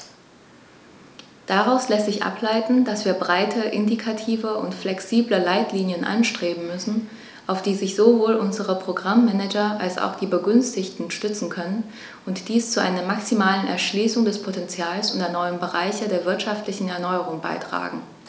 Daraus lässt sich ableiten, dass wir breite, indikative und flexible Leitlinien anstreben müssen, auf die sich sowohl unsere Programm-Manager als auch die Begünstigten stützen können und die zu einer maximalen Erschließung des Potentials der neuen Bereiche der wirtschaftlichen Erneuerung beitragen.